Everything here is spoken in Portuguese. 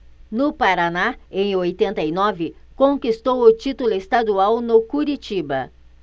no paraná em oitenta e nove conquistou o título estadual no curitiba